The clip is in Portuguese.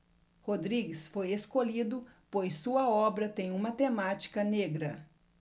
rodrigues foi escolhido pois sua obra tem uma temática negra